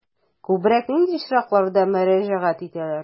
Күбрәк нинди очракларда мөрәҗәгать итәләр?